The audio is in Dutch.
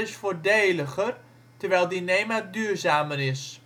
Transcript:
voordeliger, terwijl dyneema duurzamer is